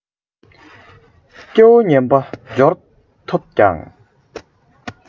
སྐྱེ བོ ངན པ འབྱོར ཐོབ ཀྱང